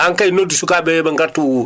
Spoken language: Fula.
aan kay noddu sukaaɓe ɓee yo ɓe ngartu